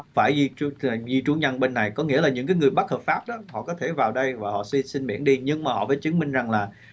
phải di tru là di trú nhân bên này có nghĩa là những cái người bất hợp pháp đó họ có thể vào đây và họ xin xin miễn đi nhưng mà họ phải chứng minh rằng là